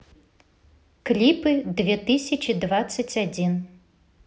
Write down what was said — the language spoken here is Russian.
клипы две тысячи двадцать один